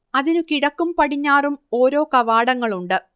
അതിനു കിഴക്കും പടിഞ്ഞാറും ഓരോ കവാടങ്ങളുണ്ട്